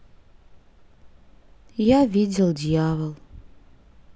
я видел дьявол